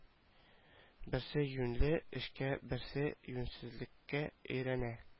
Берсе юньле эшкә берсе юньсезлеккә өйрәнә